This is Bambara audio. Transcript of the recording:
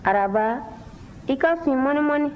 araba i ka fin mɔnimɔni